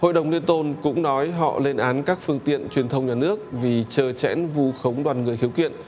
hội đồng liên tôn cũng nói họ lên án các phương tiện truyền thông nhà nước vì trơ trẽn vu khống đoàn người khiếu kiện